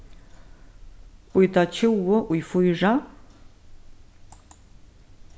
býta tjúgu í fýra